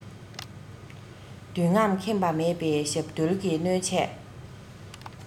འདོད རྔམས ཁེངས པ མེད པའི ཞབས བརྡོལ གྱི གནོད ཆས